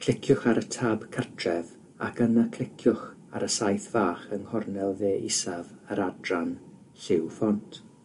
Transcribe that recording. cliciwch ar y tab Cartref ac yna cliciwch ar y saeth fach yng nghornel dde isaf yr adran Lliw Ffont.